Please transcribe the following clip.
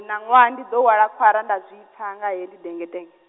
ṋaṅwaha ndi ḓo hwala khwara nda zwipfa nga heḽi dengetenge.